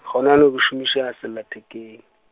go na bjalo ke šomiša, sellathekeng.